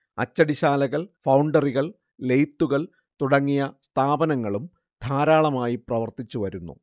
അച്ചടിശാലകൾ ഫൗണ്ടറികൾ ലെയ്ത്തുകൾ തുടങ്ങിയ സ്ഥാപനങ്ങളും ധാരാളമായി പ്രവർത്തിച്ചു വരുന്നു